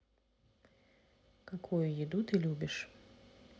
какую еду ты любишь